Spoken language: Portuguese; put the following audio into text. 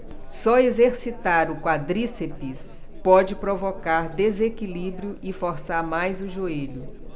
só exercitar o quadríceps pode provocar desequilíbrio e forçar mais o joelho